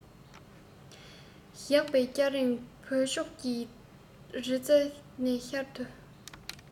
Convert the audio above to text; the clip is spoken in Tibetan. ཞོགས པའི སྐྱ རེངས དབང ཕྱོགས ཀྱི རི རྩེ ནས ཤར དུས